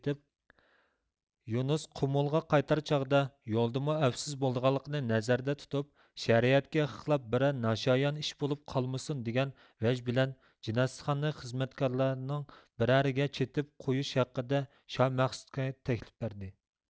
يۇنۇس قۇمۇلغا قايتار چاغدا يولدىمۇ ئەپسىز بولىدىغانلىقىنى نەزەردە تۇتۇپ شەرىئەتكە خىلاپ بىرەر ناشايان ئىش بولۇپ قالمىسۇن دېگەن ۋەج بىلەن جىنەستىخاننى خىزمەتكارلارنىڭ بىرەرىگە چېتىپ قويۇش ھەققىدە شامەخسۇتقا تەكلىپ بەردى